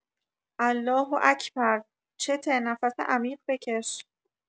الله‌اکبر چته نفس عمیق بکش